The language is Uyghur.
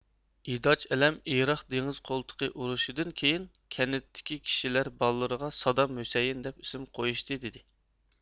ئىداج ئەلەم ئىراق دېڭىز قولتۇقى ئۇرۇىشىدىن كىيىن كەنىتتىكى كىشىلەر بالىلىرىغا سادام ھۈسەيىن دەپ ئىسىم قويۇشتى دىدى